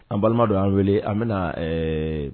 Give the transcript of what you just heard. An balima don y an wele an bɛna ɛɛ